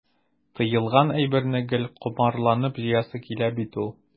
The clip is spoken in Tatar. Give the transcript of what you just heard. Тыелган әйберне гел комарланып җыясы килә бит ул.